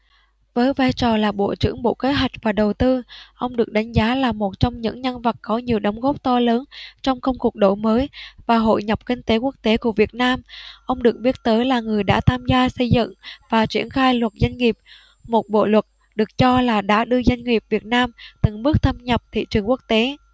với vai trò là bộ trưởng bộ kế hoạch và đầu tư ông được đánh giá là một trong những nhân vật có nhiều đóng góp to lớn trong công cuộc đổi mới và hội nhập kinh tế quốc tế của việt nam ông được biết tới là người đã tham gia xây dựng và triển khai luật doanh nghiệp một bộ luật được cho là đã đưa doanh nghiệp việt nam từng bước thâm nhập thị trường quốc tế